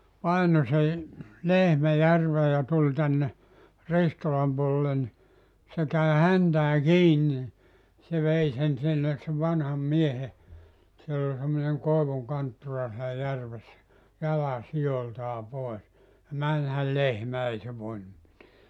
painoi sen lehmän järveen ja tuli tänne Ristolan puolelle niin se kävi häntään kiinni niin se vei sen sinne sen vanhan miehen siellä oli semmoinen koivun kanttura siellä järvessä jalan sijoiltaan pois ja menihän lehmä ei se voinut mitään